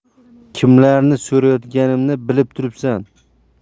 kimlarni so'rayotganimni bilib turibsan